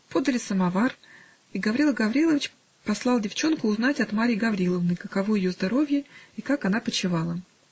Подали самовар, и Гаврила Гаврилович послал девчонку узнать от Марьи Гавриловны, каково ее здоровье и как она почивала.